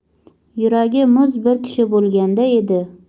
yuragi muz bir kishi bo'lganda edi